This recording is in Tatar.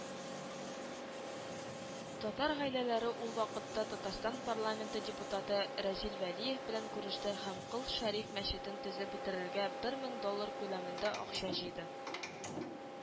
Татар гаиләләре ул вакытта Татарстан парламенты депутаты Разил Вәлиев белән күреште һәм Кол Шәриф мәчетен төзеп бетерергә бер мең доллар күләмендә акча җыйды